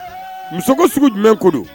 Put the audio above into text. Muso ko sugu jumɛn kodon